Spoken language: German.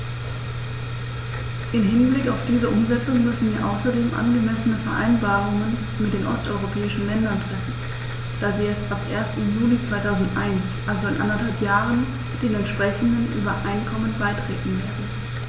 Im Hinblick auf diese Umsetzung müssen wir außerdem angemessene Vereinbarungen mit den osteuropäischen Ländern treffen, da sie erst ab 1. Juli 2001, also in anderthalb Jahren, den entsprechenden Übereinkommen beitreten werden.